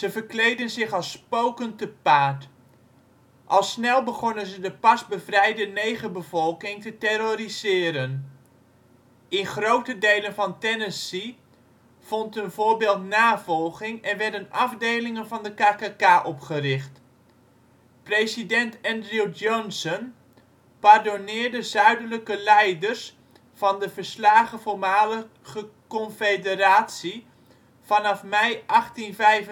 verkleedden zich als spoken te paard. Al snel begonnen ze de pas bevrijde negerbevolking te terroriseren. In grote delen van Tennessee vond hun voorbeeld navolging en werden afdelingen van de KKK opgericht. President Andrew Johnson pardonneerde Zuidelijke leiders van de verslagen voormalige Confederatie vanaf mei 1865